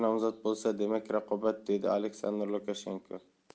nomzod bo'lsa demak raqobat dedi aleksandr lukashenko